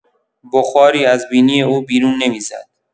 بخاری از بینی او بیرون نمی‌زد.